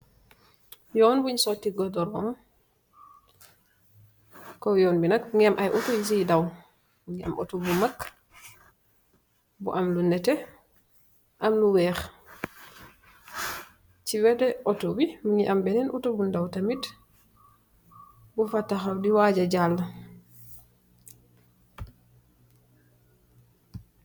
Yonn bun sote koduru se kaw yonn be nak muge am aye otu yuse daw otu bu mag bu am lu neteh am lu weehe se wete otu be muge am benen otu bu daw tamin bufa tahaw de waja jala.